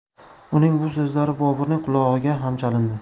uning bu so'zlari boburning qulog'iga ham chalindi